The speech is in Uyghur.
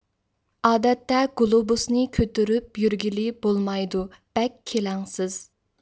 ئادەتتە گۇلوبۇسنى كۆتۈرۈپ يۈرگىلى بولمايدۇ بەك كېلەڭسىز